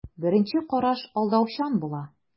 Беренче караш алдаучан була.